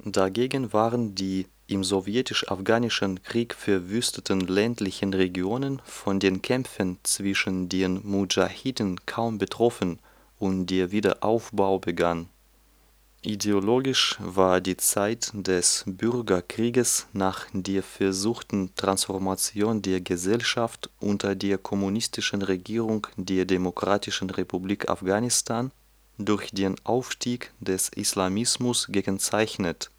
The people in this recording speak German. Dagegen waren die im Sowjetisch-Afghanischen Krieg verwüsteten ländlichen Regionen von den Kämpfen zwischen den Mudschahidin kaum betroffen und der Wiederaufbau begann. Ideologisch war die Zeit des Bürgerkrieges nach der versuchten Transformation der Gesellschaft unter der kommunistischen Regierung der Demokratischen Republik Afghanistan durch den Aufstieg des Islamismus gekennzeichnet